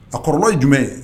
A kɔrɔ ye jumɛn ye